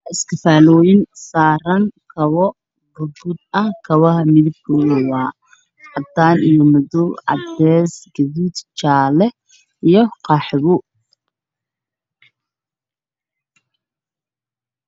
Waa iskifaalooyin saaran kabo midabkoodu waa cadaan, madow, qaxwi iyo jaale.